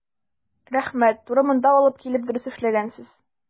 Рәхмәт, туры монда алып килеп дөрес эшләгәнсез.